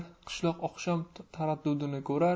qishloq oqshom taraddudini ko'rar